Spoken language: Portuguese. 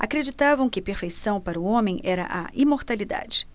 acreditavam que perfeição para o homem era a imortalidade